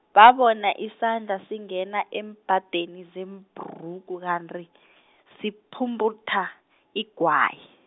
babona isandla singena eembadeni zebhrugu kanti , siphumputha, igwayi.